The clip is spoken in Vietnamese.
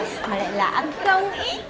mà lại là ăn không ý